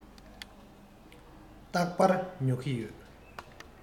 རྟག པར ཉོ གི ཡོད